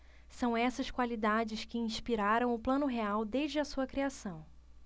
são essas qualidades que inspiraram o plano real desde a sua criação